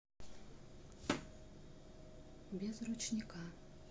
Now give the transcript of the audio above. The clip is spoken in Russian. без ручника